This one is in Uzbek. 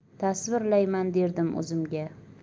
tasvirlayman derdim o'zimga